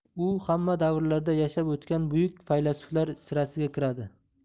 u hamma davrlarda yashab o'tgan buyuk faylasuflar sirasiga kiradi